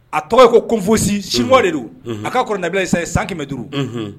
A tɔgɔ ye ko kofusi sinmɔgɔ de do a ka kɔrɔ nabila sa ye san kɛmɛmɛ duuruuru